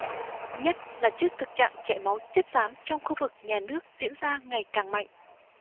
nhất là trước thực trạng chảy máu chất xám trong khu vực nhà nước diễn ra ngày càng mạnh